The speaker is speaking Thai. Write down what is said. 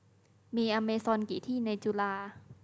มีอเมซอนกี่ที่ในจุฬา